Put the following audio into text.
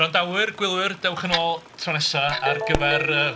Wrandawyr, gwylwyr dewch yn ôl tro nesaf ar gyfer yy...